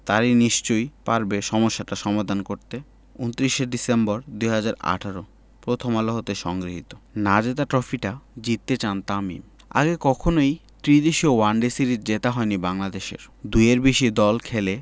তারা নিশ্চয়ই পারবে সমস্যাটার সমাধান করতে ২৯ ডিসেম্বর ২০১৮ প্রথম আলো হতে সংগৃহীত না জেতা ট্রফিটা জিততে চান তামিম আগে কখনোই ত্রিদেশীয় ওয়ানডে সিরিজ জেতা হয়নি বাংলাদেশের দুইয়ের বেশি দল খেলে